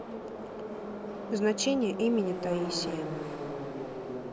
значение имени таисия